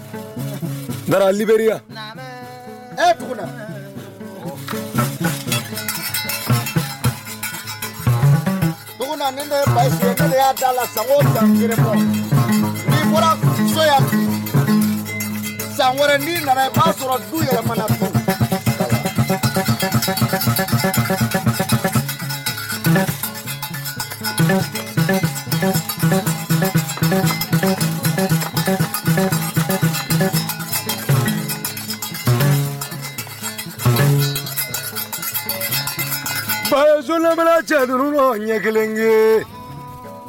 B nana' sɔrɔ cɛ duuru ɲɛ kelen